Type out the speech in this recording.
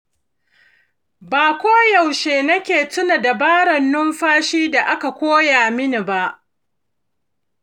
ba ko da yaushe nake tuna dabarar numfashin da aka koya min ba.